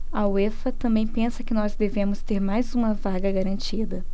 a uefa também pensa que nós devemos ter mais uma vaga garantida